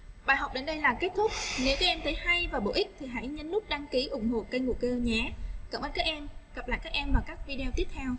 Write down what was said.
bài học đến đây là kết thúc nhấn nút đăng ký ủng hộ kênh nhé